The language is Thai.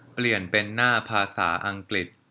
เปลี่ยนเป็นหน้าภาษาอังกฤษ